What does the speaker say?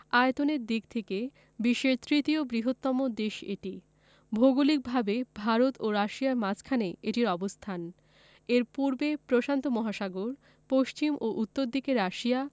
আয়তনের দিক থেকে বিশ্বের তৃতীয় বৃহত্তম দেশ এটি ভৌগলিকভাবে ভারত ও রাশিয়ার মাঝখানে দেশটির অবস্থান এর পূর্বে প্রশান্ত মহাসাগর পশ্চিম ও উত্তর দিকে রাশিয়া